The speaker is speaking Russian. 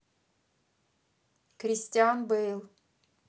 кристиан бэйл